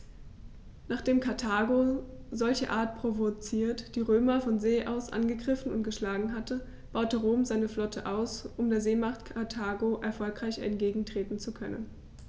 Nachdem Karthago, solcherart provoziert, die Römer von See aus angegriffen und geschlagen hatte, baute Rom seine Flotte aus, um der Seemacht Karthago erfolgreich entgegentreten zu können.